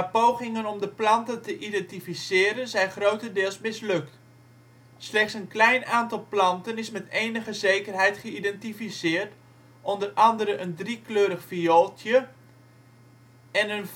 pogingen om de planten te identificeren zijn grotendeels mislukt. Slechts een klein aantal planten is met enige zekerheid geïdentificeerd, onder andere een driekleurig viooltje (Viola tricolor) en een venushaarvaren